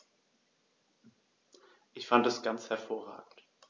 Ich fand das ganz hervorragend.